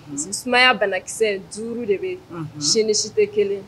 Sumaya banakisɛ 5 de bɛ yen si ni si tɛ kelen ye